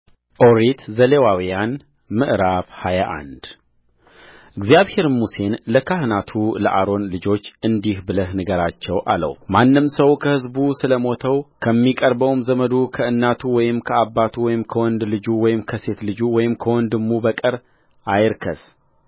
ኦሪት ዘሌዋውያን ምዕራፍ ሃያ አንድ እግዚአብሔርም ሙሴን ለካህናቱ ለአሮን ልጆች እንዲህ ብለህ ንገራቸው አለው ማንም ሰው ከሕዝቡ ስለ ሞተውከሚቀርበው ዘመዱ ከእናቱ ወይም ከአባቱ ወይም ከወንድ ልጁ ወይም ከሴት ልጁ ወይም ከወንድሙ በቀር አይርከስ